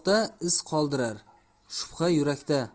qoldirar shubha yurakda